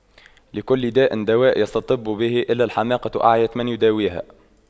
لكل داء دواء يستطب به إلا الحماقة أعيت من يداويها